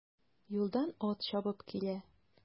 Юлдан ат чабып килә.